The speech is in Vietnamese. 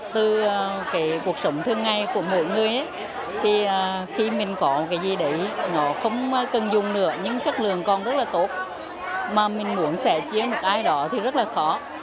từ cuộc sống thường ngày của mỗi người thì khi mình có cái gì đấy nó không cần dùng nữa nhưng chất lượng còn rất là tốt mà mình muốn sẻ chia một ai đó thì rất là khó